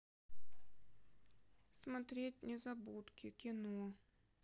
смотреть незабудки кино